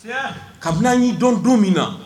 Kabini y'i dɔn don min na